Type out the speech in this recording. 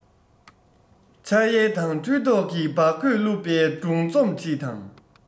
འཆལ ཡན དང འཁྲུལ རྟོག གི འབག གོས བཀླུབས པའི སྒྲུང རྩོམ བྲིས དང